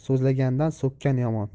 so'zlagandan so'kkan yomon